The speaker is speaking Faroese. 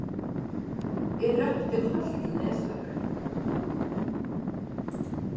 eg rópti heilt til nesvíkar